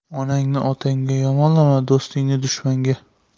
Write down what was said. onangni otangga yomonlama do'stingni dushmanga